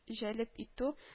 Җәлеп итү